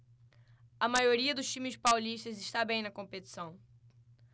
a maioria dos times paulistas está bem na competição